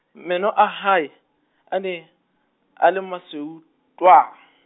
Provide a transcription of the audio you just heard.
meno a hae, a ne, a le masweu, twaa.